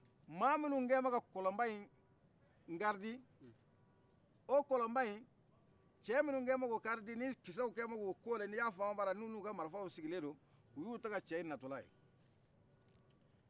mɔgɔ munun bɛ ka kɔlɔn ba in garidi o kɔlɔn ba in cɛ minu kɛmɛ k'o garidi ni kisɛ kɛmɛ k'u kori i ya famu bala n'u nu ka marifaw sigilen do u to ka cɛ in natɔla ye